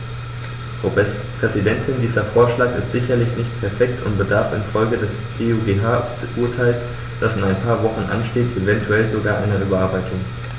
Frau Präsidentin, dieser Vorschlag ist sicherlich nicht perfekt und bedarf in Folge des EuGH-Urteils, das in ein paar Wochen ansteht, eventuell sogar einer Überarbeitung.